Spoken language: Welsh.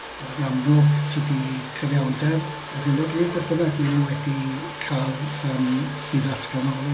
Yn amlwg tydi cyfiawnder ar hyn o bryd beth bynnag ddim wedi cael yym ei ddatganoli.